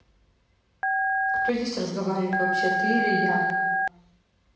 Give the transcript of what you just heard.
кто здесь разговаривает вообще ты или я